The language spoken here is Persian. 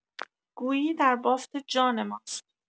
گویی در بافت جان ماست.